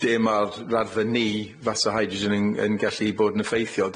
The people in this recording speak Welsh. dim ar raddfe ni fasa hydrogen yn yn gallu bod yn effeithiol.